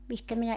mihinkä minä